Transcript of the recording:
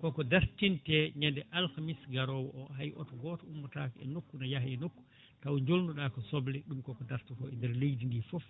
koko dartinte ñande alkamisa garowo o hay oto goto ummotako e nokku ene yaaha e nokku taw jolnuɗa ko soble vm koko dartoto e nder leydi ndi foof